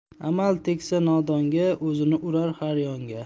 amal tegsa nodonga o'zini urar har yonga